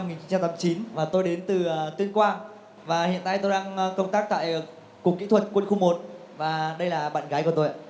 nghìn chín trăm tám chín và tôi đến từ tuyên quang và hiện nay tôi đang công tác tại cục kĩ thuật quân khu một và đây là bạn gái của tôi ạ